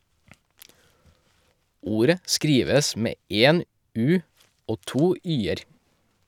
Ordet skrives med én "u" og to "y"-er.